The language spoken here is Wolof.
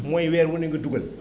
mooy weer wu ne nga dugal